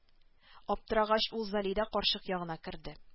Аптырагач ул залидә карчык ягына керде